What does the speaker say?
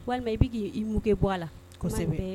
Walima i b bɛ k' i mkɛ bɔ a la kosɛbɛ